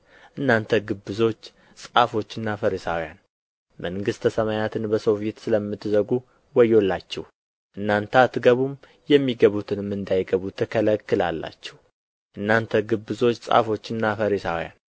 እናንተ ግብዞች ጻፎችና ፈሪሳውያን መንግሥተ ሰማያትን በሰው ፊት ስለምትዘጉ ወዮላችሁ እናንተ አትገቡም የሚገቡትንም እንዳይገቡ ትከለክላላችሁ እናንተ ግብዞች ጻፎችና ፈሪሳውያን